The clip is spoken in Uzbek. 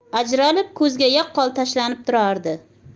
ajralib ko'zga yaqqol tashlanib turardi